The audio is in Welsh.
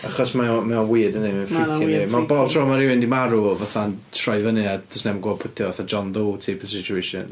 Achos mae o mae o'n weird yndi. Mae'n freaky yndi. Mae pob tro mae rhywun 'di marw fatha'n troi fyny a does neb yn gwbod pwy ydy o, fatha John Doe type of situations.